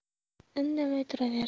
indamay turaverdi